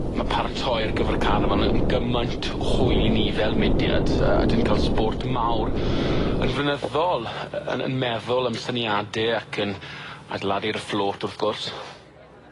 Ma' paratoi ar gyfer caravan yn gymaint o hwyl i ni fel mudiad yy a dyn 'ni'n ca'l sbort mawr yn flynyddol yy yn yn meddwl am syniade ac yn adeiladu'r fflôt wrth gwrs.